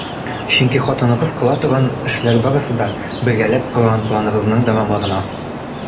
Чөнки хатыныгыз кыла торган эшләр барысы да - бергәләп корган планыгызның дәвамы гына!